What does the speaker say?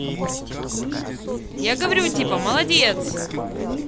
я говорю типа молодец